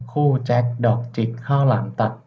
คู่แจ็คดอกจิกข้าวหลามตัด